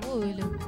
O wele